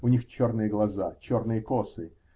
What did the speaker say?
У них черные глаза, черные косы.